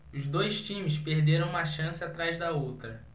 os dois times perderam uma chance atrás da outra